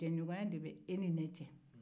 jɛɲɔgɔya de bɛ e ni ne cɛ